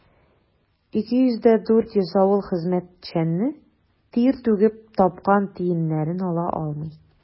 2400 авыл хезмәтчәне тир түгеп тапкан тиеннәрен ала алмый.